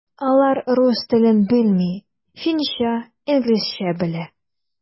Алар рус телен белми, финча, инглизчә белә.